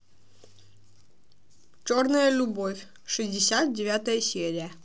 черная любовь шестьдесят девятая серия